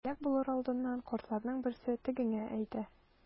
Һәлак булыр алдыннан картларның берсе тегеңә әйтә.